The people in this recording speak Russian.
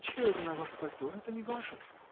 — Чье это на вас пальто: это не ваше?